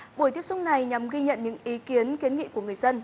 buổi tiếp xúc này nhằm ghi nhận những ý kiến kiến nghị của người dân